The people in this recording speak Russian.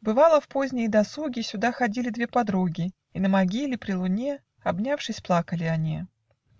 Бывало, в поздние досуги Сюда ходили две подруги, И на могиле при луне, Обнявшись, плакали оне.